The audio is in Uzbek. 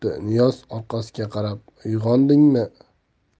turtdi niyoz orqasiga qaradi uyg'ondingmi